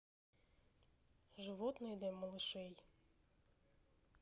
животные для малышей